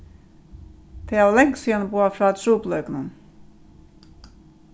tey hava langt síðani boðað frá trupulleikunum